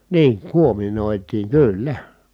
niin kuominoitiin kyllä